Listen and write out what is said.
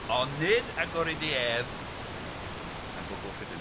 On nid agorid i ef am bygwth ydyn.